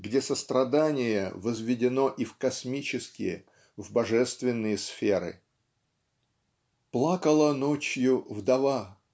где сострадание возведено и в космические в божественные сферы Плакала ночью вдова